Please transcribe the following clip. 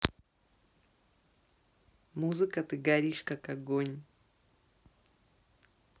музыка ты горишь как огонь